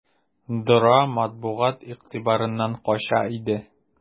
Дора матбугат игътибарыннан кача иде.